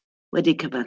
Wedi cyfan.